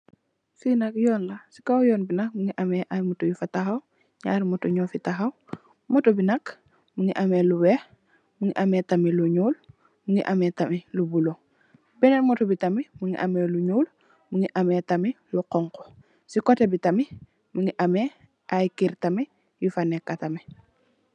Fi nak yoon la, ci kaw yoon bi nak mungi ameh ay moto yu fa tahaw. Naari moto nu fi tahaw. Moto bi nak mungi ameh lu weeh, mungi ameh tamit lu ñuul, mungi ameh tamit lu bulo. Benen Moto bi tamit mungi ameh lu ñuul, mungi ameh tamit lu honku. Ci kotè bi tamit mungi tamit ay kër tamit yu fa nekka tamit.